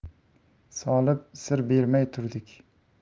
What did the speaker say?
solib sir bermay turdik